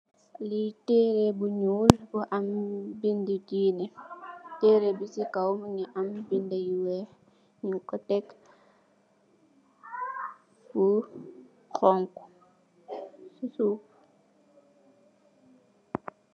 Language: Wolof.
Lii tehreh bu njull bu am bindue dineh, tehreh bii cii kaw mungy am binda yu wekh, njung kor tek fu honhu, cii suff.